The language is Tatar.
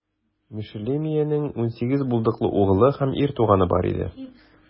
Мешелемиянең унсигез булдыклы углы һәм ир туганы бар иде.